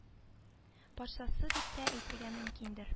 Патшасы дип тә әйтергә мөмкиндер